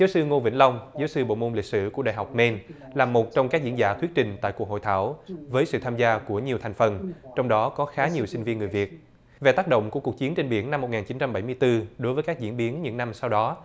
giáo sư ngô vĩnh long giáo sư bộ môn lịch sử của đại học mên là một trong các diễn giả thuyết trình tại cuộc hội thảo với sự tham gia của nhiều thành phần trong đó có khá nhiều sinh viên người việt về tác động của cuộc chiến trên biển năm một ngàn chín trăm bảy mươi tư đối với các diễn biến những năm sau đó